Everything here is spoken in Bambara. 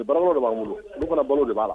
Baralo de b'a bolo olu fana balo de b' la